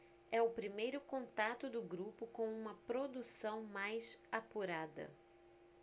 é o primeiro contato do grupo com uma produção mais apurada